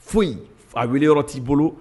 Foyi f a weele yɔrɔ t'i bolo